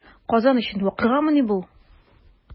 Казан өчен вакыйгамыни бу?